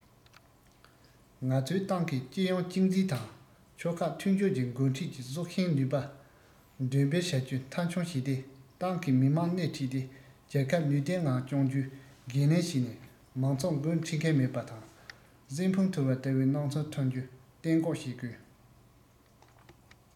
ང ཚོས ཏང གི སྤྱི ཡོངས གཅིག འཛིན དང ཕྱོགས ཁག མཐུན སྦྱོར གྱི འགོ ཁྲིད ཀྱི སྲོག ཤིང ནུས པ འདོན སྤེལ བྱ རྒྱུ མཐའ འཁྱོངས བྱས ཏེ ཏང གིས མི དམངས སྣེ ཁྲིད དེ རྒྱལ ཁབ ནུས ལྡན ངང སྐྱོང རྒྱུའི འགན ལེན བྱས ནས མང ཚོགས འགོ འཁྲིད མཁན མེད པ དང སྲན ཕུང ཐོར བ ལྟ བུའི སྣང ཚུལ ཐོན རྒྱུ གཏན འགོག བྱེད དགོས